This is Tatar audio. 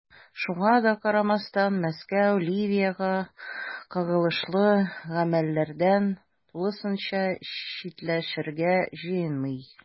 Шуңа да карамастан, Мәскәү Ливиягә кагылышлы гамәлләрдән тулысынча читләшергә җыенмый.